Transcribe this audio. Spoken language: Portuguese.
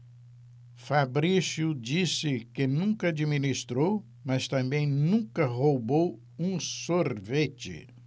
fabrício disse que nunca administrou mas também nunca roubou um sorvete